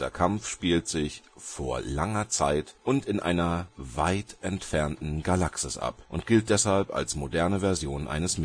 Kampf spielt sich „ vor langer Zeit “in einer „ weit entfernten “Galaxis ab und gilt deshalb als moderne Version eines